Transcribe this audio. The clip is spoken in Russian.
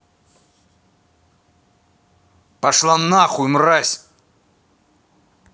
пошла нахуй мразь